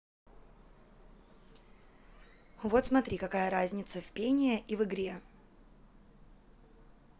вот смотри какая разница в пение и в игре